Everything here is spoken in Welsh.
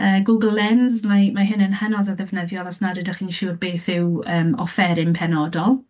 Yy, Google Lens, mae mae hyn yn hynod o ddefnyddiol os nad ydych chi'n siŵr beth yw, yym, offeryn penodol.